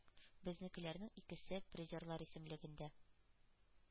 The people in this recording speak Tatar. Безнекеләрнең икесе – призерлар исемлегендә.